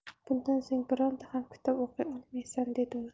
bundan so'ng bironta ham kitob o'qiy olmaysan dedi u